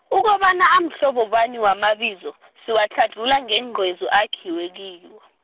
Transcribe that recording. ukobana amhlobo bani wamabizo , siwatlhadlhula ngeengcezu akhiwe .